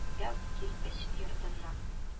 Дәү кирпеч йорттан